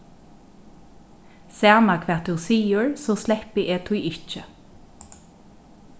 sama hvat tú sigur so sleppi eg tí ikki